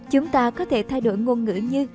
chúng ta có thể thay đổi ngôn ngữ như